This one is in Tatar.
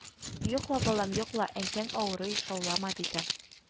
– йокла, балам, йокла, әнкәң авырый, шаулама, – диде